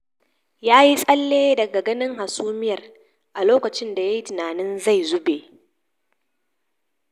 Yayi tsalle daga ginin hasumiyar a lokacin da yayi tunanin zai zube.